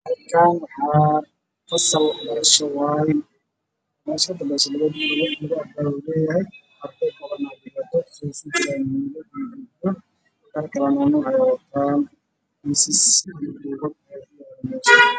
Waa school oo arday fadhiyaan casharo ku qaadanayaan gabdho iyo wiilal kuraasta wada caddaan darbiga oo cadaan